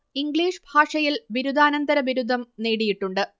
English ഭാഷയിൽ ബിരുദാനന്തര ബിരുദം നേടിയിട്ടുണ്ട്